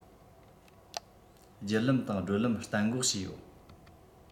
རྒྱུ ལམ ད བགྲོད ལམ གཏན འགོག བྱས ཡོད